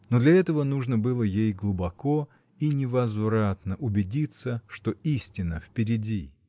Но для этого нужно было ей глубоко и невозвратно убедиться, что истина — впереди.